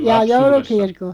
jaa joulukirko